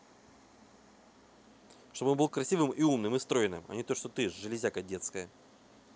что он был красивым и умным и стройным а не то что ты железяка детская